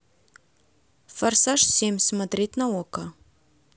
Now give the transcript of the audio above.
форсаж семь смотреть на окко